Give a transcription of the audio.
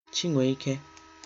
Chinweike